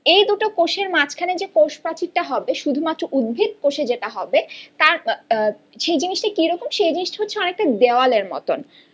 এই দুটো কোষের মাঝখানে যে কোষপ্রাচীর টা হবে শুধুমাত্র উদ্ভিদ কোষে যেটা হবে তা সে জিনিসটা কি রকম সেই জিনিসটা হচ্ছে অনেকটা দেয়ালের মতোন